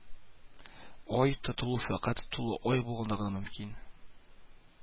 Ай тотылу фәкать тулы ай булганда гына мөмкин